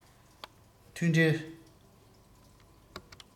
མཐུན སྒྲིལ